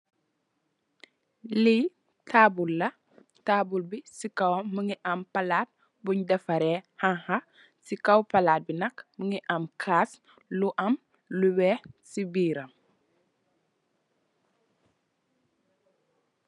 Lii tabule la, tabule bi si kawam mungi amm palate buny deffareh hanha. Ci kaw palate binak mungi am kas lu am lu wekh si birram.